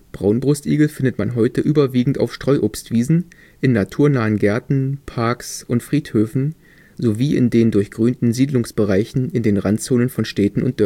Braunbrustigel findet man heute überwiegend auf Streuobstwiesen, in naturnahen Gärten, Parks und Friedhöfen sowie in den durchgrünten Siedlungsbereichen in der Randzone von Städten und